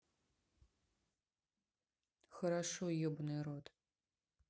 хорошо ебаный рот